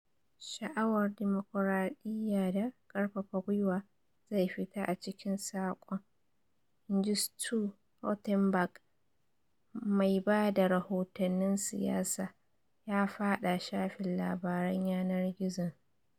"Sha'awar dimokuradiya da karfafa gwiwa zai fita a cikin sakon," in ji Stu Rothenberg, mai ba da rahotannin siyasa, ya fada shafin labaran yanar gizon.